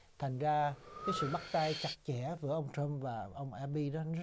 thành ra cái sự bắt tay chặt chẽ giữa ông trum và ông a bi đã